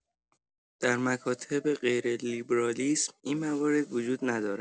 در مکاتب غیر لیبرالیسم این موارد وجود ندارد.